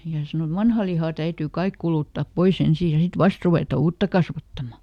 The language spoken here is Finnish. ja se sanoi että vanha liha täytyy kaikki kuluttaa pois ensin ja sitten vasta ruveta uutta kasvattamaan